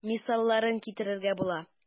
Мисалларын китерергә була.